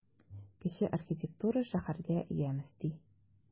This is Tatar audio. Кече архитектура шәһәргә ямь өсти.